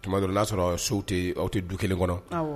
Tuma dɔw la na ya sɔrɔ so te aw tɛ du kelen kɔnɔ.